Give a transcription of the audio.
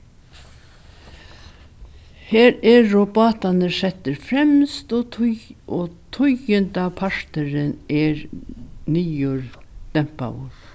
her eru bátarnir settir fremst og tíð og tíðindaparturin er niðurdempaður